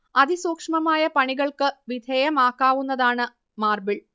അതിസൂക്ഷ്മമായ പണികൾക്ക് വിധേയമാക്കാവുന്നതാണ് മാർബിൾ